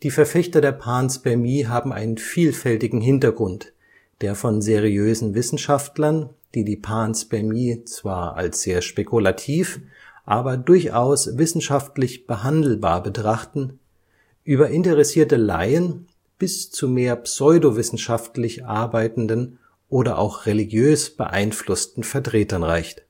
Verfechter der Panspermie haben einen vielfältigen Hintergrund, der von seriösen Wissenschaftlern, die die Panspermie zwar als sehr spekulativ aber durchaus wissenschaftlich behandelbar betrachten, über interessierte Laien bis zu mehr pseudowissenschaftlich arbeitenden oder auch religiös beeinflussten Vertretern reicht